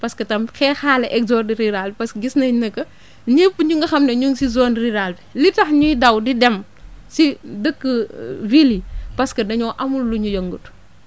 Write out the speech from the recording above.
parce que tam xeexaale exode rural parce que gis nañ ne que ñëpp ñi nga xam ne énu ngi si zone rurale bi li tax ñuy daw di dem si dëkk ville yi parce que dañoo amul lu ñu yëngatu